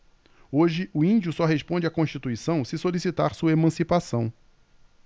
hoje o índio só responde à constituição se solicitar sua emancipação